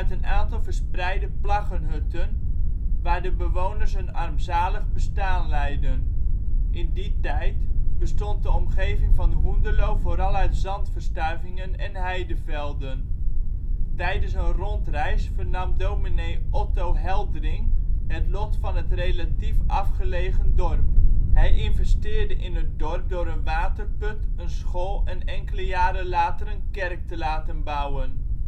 een aantal verspreide plaggenhutten waar de bewoners een armzalig bestaan leidden. In die tijd bestond de omgeving van Hoenderloo vooral uit zandverstuivingen en heidevelden. Tijdens een rondreis vernam dominee Ottho Heldring het lot van het relatief afgelegen dorp. Hij investeerde in het dorp door een waterput, een school en enkele jaren later een kerk te laten bouwen